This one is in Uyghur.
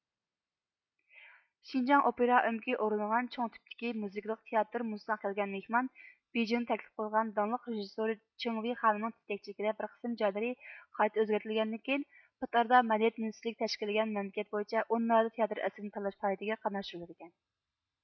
شىنجاڭ ئوپېرا ئۆمىكى ئورۇندىغان چوڭ تىپتىكى مۇزىكىلىق تىياتىر مۇز تاغقا كەلگەن مېھمان بېيجىڭدىن تەكلىپ قىلىنغان داڭلىق رىژېسسور چېڭۋېي خانىمنىڭ يېتەكچىلىكىدە بىر قىسىم جايلىرى قايتا ئۆزگەرتىلگەندىن كېيىن پات ئارىدا مەدەنىيەت مىنىستىرلىكى تەشكىللىگەن مەملىكەت بويىچە ئون نادىر تىياتىر ئەسىرىنى تاللاش پائالىيىتىگە قاتناشتۇرۇلىدىكەن